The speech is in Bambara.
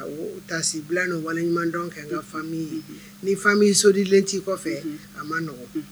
Tasi bila ni waleɲuman dɔn kɛ n ka fa min ye ni fa ye sodilen t' kɔfɛ a ma nɔgɔ